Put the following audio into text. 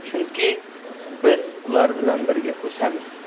chunki biz ular bilan birga o'samiz